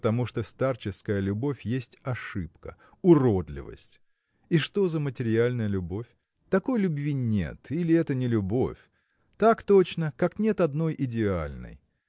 потому что старческая любовь есть ошибка уродливость. И что за материальная любовь? Такой любви нет или это не любовь так точно как нет одной идеальной.